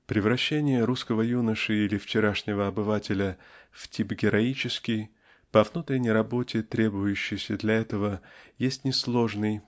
Превращение русского юноши или вчерашнего обывателя в тип героический по внутренней работе требующейся для этого есть несложный